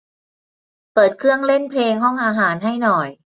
เปิดเครื่องเล่นเพลงห้องอาหารให้หน่อย